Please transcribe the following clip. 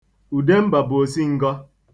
Udemba bụ osingọ